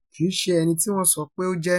Kì í ṣe ẹni tí wọ́n sọ pé ó jẹ́.